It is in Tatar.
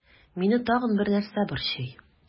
Мине тагын бер нәрсә борчый.